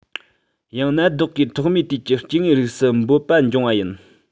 ཡང ན བདག གིས ཐོག མའི དུས ཀྱི སྐྱེ དངོས རིགས སུ འབོད པ འབྱུང བ ཡིན